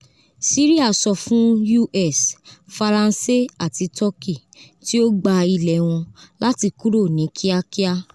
Siria sọ fun US, Faranse ati Tọki ‘tiogba ilẹ wọn’ lati kúrò ni kiakia